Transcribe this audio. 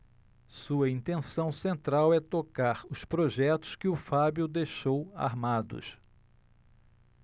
sua intenção central é tocar os projetos que o fábio deixou armados